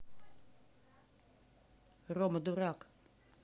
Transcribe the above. рома дурак